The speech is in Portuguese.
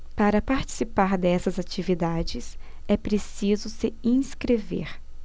para participar dessas atividades é preciso se inscrever